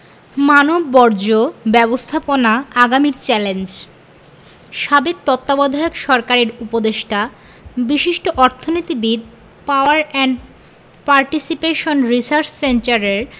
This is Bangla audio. মানববর্জ্য ব্যবস্থাপনা আগামীর চ্যালেঞ্জ সাবেক তত্ত্বাবধায়ক সরকারের উপদেষ্টা বিশিষ্ট অর্থনীতিবিদ পাওয়ার অ্যান্ড পার্টিসিপেশন রিসার্চ সেন্টারের